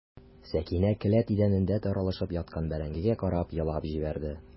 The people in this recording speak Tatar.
Сәкинә келәт идәнендә таралышып яткан бәрәңгегә карап елап җибәрде.